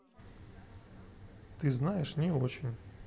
ты знаешь не очень